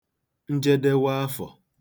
njedewe afọ̀